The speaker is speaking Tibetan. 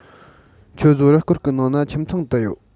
ཁྱོད བཟོའི རུ སྐོར གི ནང ན ཁྱིམ ཚང དུ ཡོད